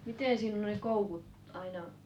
miten siinä on nuo koukut aina